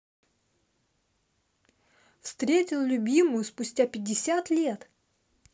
встретил любимую спустя пятьдесят лет